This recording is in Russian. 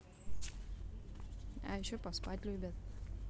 а еще поспать любят